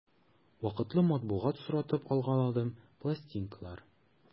Вакытлы матбугат соратып алгаладым, пластинкалар...